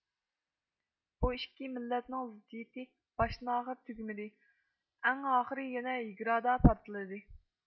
بۇ ئىككى مىللەتنىڭ زىددىيىتى باشتىن ئاخىر تۈگىمىدى ئەڭ ئاخىرى يەنە ھېگرادا پارتلىدى